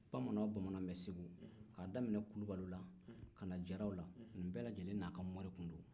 bamanan o bamanan bɛ segu k'a daminɛ kulubaliw la ka na jaraw la nin bɛɛ lajɛlen n'a ka mori tun don